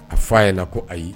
A fa a ɲɛna ko ayi